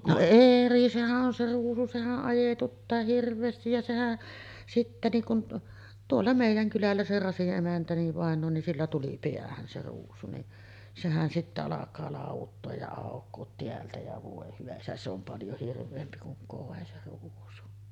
no eri sehän on se ruusu sehän ajetuttaa hirveästi ja sehän sitten niin kuin tuolla meidän kylällä se Rasin emäntä niin vainaja niin sillä tuli päähän se ruusu niin sehän sitten alkaa lauduttaa ja aukoa täältä ja voi hyvä isä se on paljon hirveämpi kuin koi se ruusu